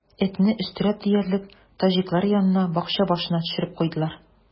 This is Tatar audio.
Этне, өстерәп диярлек, таҗиклар янына, бакча башына төшереп куйдылар.